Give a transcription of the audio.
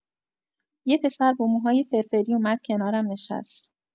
یه پسر با موهای فرفری اومد کنارم نشست.